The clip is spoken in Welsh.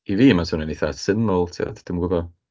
I fi ma'n swnio'n eitha' syml tibod, dwi'm yn gwbod.